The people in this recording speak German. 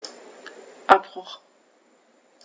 Abbruch.